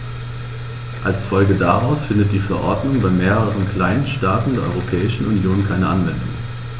Als Folge daraus findet die Verordnung bei mehreren kleinen Staaten der Europäischen Union keine Anwendung.